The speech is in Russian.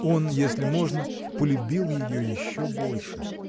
Он, если можно, полюбил ее еще больше.